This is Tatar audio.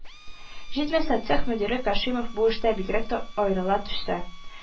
Җитмәсә, цех мөдире Кашимов бу эштә бигрәк тә аерыла төшсә